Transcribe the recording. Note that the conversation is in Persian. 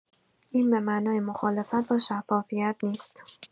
این به معنای مخالفت با شفافیت نیست.